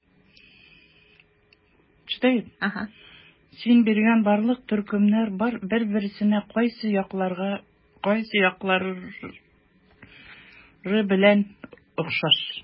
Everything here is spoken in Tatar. Син кергән барлык төркемнәр бер-берсенә кайсы яклары белән охшаш?